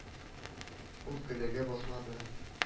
Ул келәгә басмады